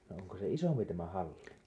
no onko se isompi tämä halli